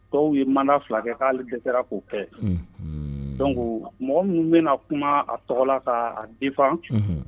Dɔw ye mana fila kɛ k'ale dɛsɛ kɛrara k'o kɛ don mɔgɔ minnu bɛna kuma a tɔgɔ la ka difan